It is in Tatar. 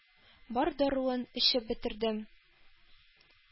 Бар даруын эчеп бетердем.